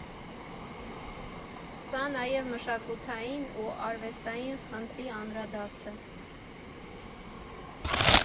Սա նաև մշակութային ու արվեստային խնդրի անդրադարձ է.